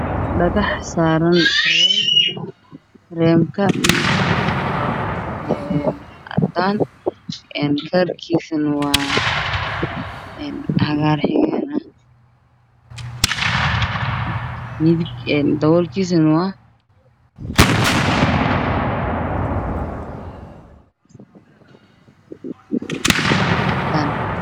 Dhagax saran karemka midabkisu waa uyahay cadan een kalarkisuna waa en cagrxigen dawolkisuna waa cadan